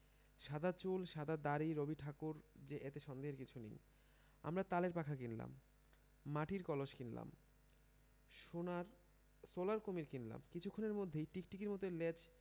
সাদা চুল সাদা দাড়ি রবিঠাকুর যে এতে সন্দেহের কিছুই নেই আমরা তালের পাখা কিনলাম মার্টির কলস কিনলাম সোনার সোলার কুমীর কিনলীম কিছুক্ষণের মধ্যেই টিকটিকির মত এর ল্যাজ